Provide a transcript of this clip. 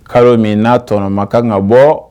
Kalo min n'a tɔnɔ ma ka kan ka bɔ